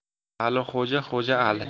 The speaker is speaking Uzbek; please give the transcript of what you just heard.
alixo'ja xo'jaali